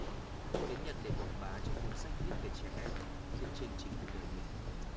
cô đến nhật để quảng bá cho cuốn sách viết về trẻ em dựa trên chính cuộc đời mình